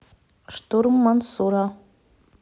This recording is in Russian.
штурм мансура